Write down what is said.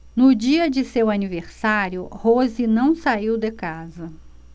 no dia de seu aniversário rose não saiu de casa